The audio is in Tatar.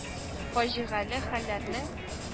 Фаҗигале хәлләрнең